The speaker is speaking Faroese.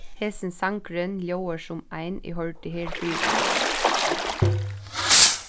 hesin sangurin ljóðar sum ein eg hoyrdi herfyri